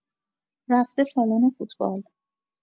رفته سالن فوتبال